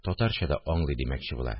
Татарча да аңлый димәкче була